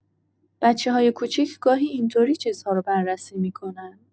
بچه‌های کوچیک گاهی این‌طوری چیزها رو بررسی می‌کنن.